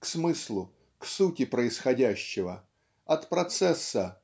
к смыслу, к сути происходящего, от процесса